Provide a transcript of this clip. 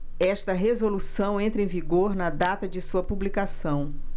esta resolução entra em vigor na data de sua publicação